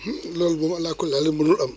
loolu moom alaakulli àlli mënul am